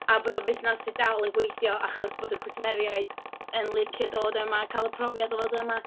A bod o'n fusnes sy dal yn gweithio achos bod y cwsmeriaid yn licio dod yma a cael y profiad o fod yma.